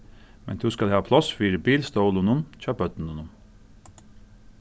men tú skalt hava pláss fyri bilstólunum hjá børnunum